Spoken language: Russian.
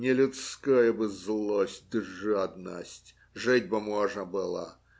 Не людская бы злость да жадность - жить бы можно было.